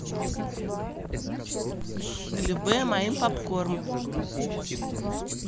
любэ моим попкорн